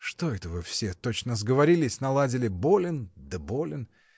— Что это вы все, точно сговорились, наладили: болен да болен.